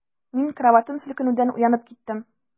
Мин караватым селкенүдән уянып киттем.